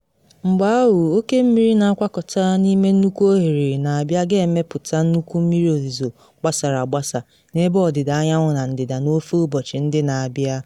Mgbe ahụ, oke mmiri na agwakọta n’ime nnukwu oghere na abịa ga-emepụta nnukwu mmiri ozizo gbasara agbasa n’ebe Ọdịda anyanwụ na ndịda n’ofe ụbọchị ndị na abịa.